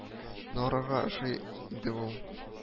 Норага ошый иде ул…